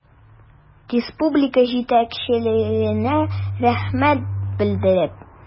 Республика җитәкчелегенә рәхмәт белдереп.